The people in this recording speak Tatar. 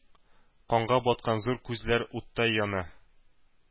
Канга баткан зур күзләре уттай яна.